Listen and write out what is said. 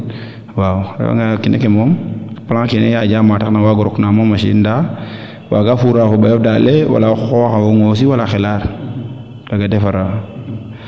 waaw a refa nga yee kene ke moom plan ke ne yaaja ba tax o waago roq ma maaga machine nda waaga fuura fo o ɓayof daand le wala xooxa fo o ŋoosi wala xelaar kaga defara ŋ